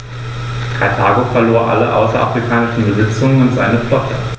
Karthago verlor alle außerafrikanischen Besitzungen und seine Flotte.